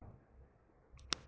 དང དུ ལེན རྒྱུ དེ ཡིན